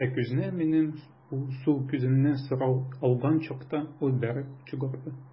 Ә күзне, минем бу сул күземне, сорау алган чакта ул бәреп чыгарды.